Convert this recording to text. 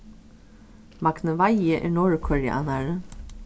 magni weihe er norðurkoreanari